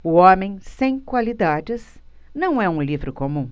o homem sem qualidades não é um livro comum